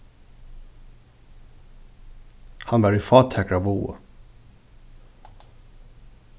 hann var í fátækraváða